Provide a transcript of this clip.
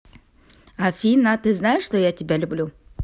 афина ты знаешь что я тебя люблю